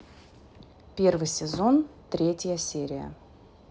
первый сезон третья серия